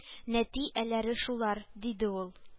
Нәти әләре шулар , диде ул